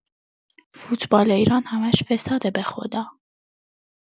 فوتبال ایران همش فساده به‌خدا!